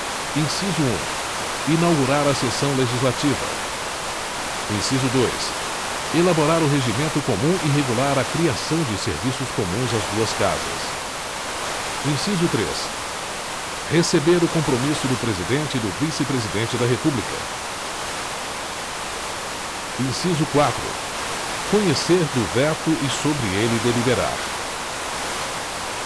inciso um inaugurar a sessão legislativa inciso dois elaborar o regimento comum e regular a criação de serviços comuns às duas casas inciso três receber o compromisso do presidente e do vice presidente da república inciso quatro conhecer do veto e sobre ele deliberar